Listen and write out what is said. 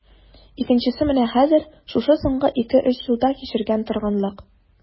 Икенчесе менә хәзер, шушы соңгы ике-өч елда кичергән торгынлык...